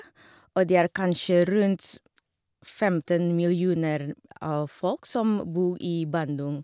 Og det er kanskje rundt femten millioner folk som bo i Bandung.